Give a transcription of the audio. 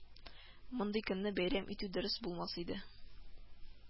Мондый көнне бәйрәм итү дөрес булмас иде